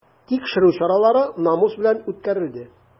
Тикшерү чаралары намус белән үткәрелде.